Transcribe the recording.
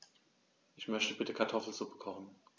Ich möchte bitte Kartoffelsuppe kochen.